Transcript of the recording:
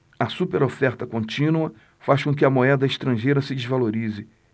a superoferta contínua faz com que a moeda estrangeira se desvalorize